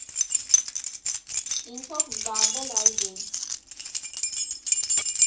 Ինչո՞վ զբաղվել այգում։